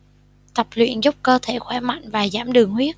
tập luyện giúp cơ thể khỏe mạnh và giảm đường huyết